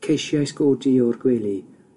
Ceisiais godi o'r gwely